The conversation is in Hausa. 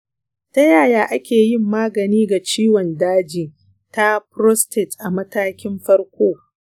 ta yaya ake yin magani ga ciwon daji ta prostate a matakin farko?